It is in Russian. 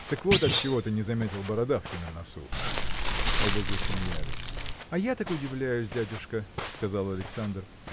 Так вот отчего ты не заметил бородавки на носу! Оба засмеялись. – А я так удивляюсь дядюшка – сказал Александр